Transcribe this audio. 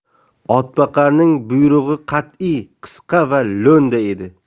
otboqarning buyrug'i qat'iy qisqa va lo'nda edi